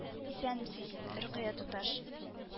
Исәнмесез, рөкыя туташ